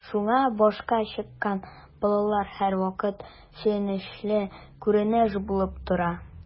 Шуңа “башка чыккан” балалар һәрвакыт сөенечле күренеш булып тора.